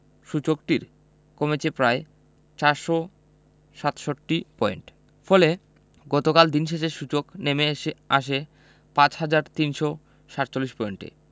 সূচকটির কমেছে প্রায় ৪৬৭ পয়েন্ট ফলে গতকাল দিন শেষে সূচক নেমে এসে আসে ৫ হাজার ৩৪৭ পয়েন্টে